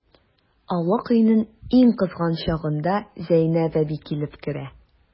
Аулак өйнең иң кызган чагында Зәйнәп әби килеп керә.